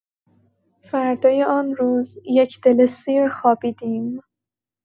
فردای آن روز یک دل سیر خوابیدیم.